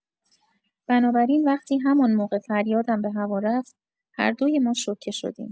بنابراین وقتی همان موقع فریادم به هوا رفت، هر دوی ما شوکه شدیم.